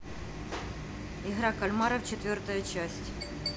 игра кальмаров четвертая часть